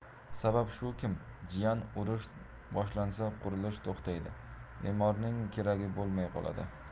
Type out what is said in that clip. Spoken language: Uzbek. sabab shukim jiyan urush boshlansa qurilish to'xtaydi memorning keragi bo'lmay qoladir